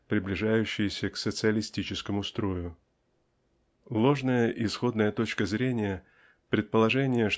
приближающиеся к социалистическому строю. Ложная исходная точка зрения предположение